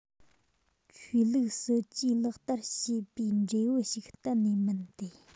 ཆོས ལུགས སྲིད ཇུས ལག བསྟར བྱས པའི འབྲས བུ ཞིག གཏན ནས མིན ཏེ